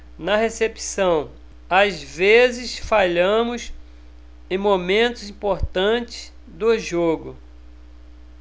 na recepção às vezes falhamos em momentos importantes do jogo